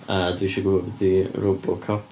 A dwi isio gwybod be 'di Robocop.